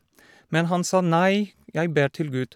Nei, jeg ber til Gud.